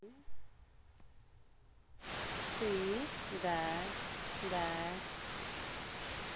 ты да да